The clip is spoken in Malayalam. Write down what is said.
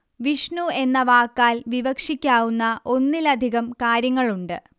വിഷ്ണു എന്ന വാക്കാൽ വിവക്ഷിക്കാവുന്ന ഒന്നിലധികം കാര്യങ്ങളുണ്ട്